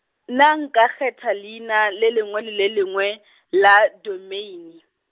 na nka kgetha leina le lengwe le le lengwe , la Domeine?